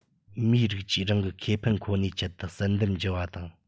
མིའི རིགས ཀྱིས རང གི ཁེ ཕན ཁོ ནའི ཆེད དུ བསལ འདེམས བགྱི བ དང